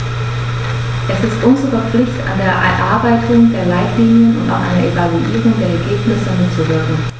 Es ist unsere Pflicht, an der Erarbeitung der Leitlinien und auch an der Evaluierung der Ergebnisse mitzuwirken.